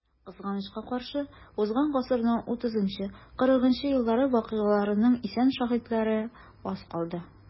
Кызганычка каршы, узган гасырның 30-40 еллары вакыйгаларының исән шаһитлары аз калды.